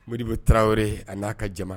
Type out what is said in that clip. Mo debu tarawele a n'a ka jama